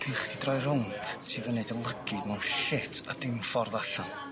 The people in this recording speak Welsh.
Cyn chdi droi rownd ti fyny i dy lygid mewn shit a dim ffordd allan.